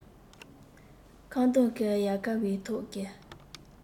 ཁམ སྡོང གི ཡལ གའི ཐོག གི